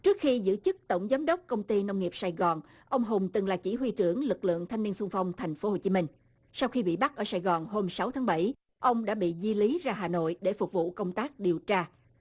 trước khi giữ chức tổng giám đốc công ty nông nghiệp sài gòn ông hùng từng là chỉ huy trưởng lực lượng thanh niên xung phong thành phố hồ chí minh sau khi bị bắt ở sài gòn hôm sáu tháng bảy ông đã bị di lý ra hà nội để phục vụ công tác điều tra